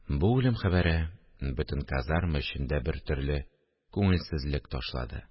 Бу үлем хәбәре бөтен казарма эченә бертөрле күңелсезлек ташлады